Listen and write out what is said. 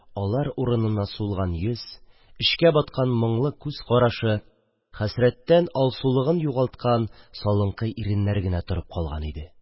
Алар урынына сулган йөз, эчкә баткан моңлы күз карашы, хәсрәттән алсулыгын югалткан салынкы иреннәр генә торып калган иде.